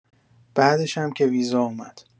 بعدشم که ویزا اومد.